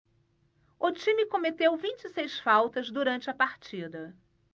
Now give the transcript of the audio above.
o time cometeu vinte e seis faltas durante a partida